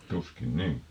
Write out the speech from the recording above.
tuskin niin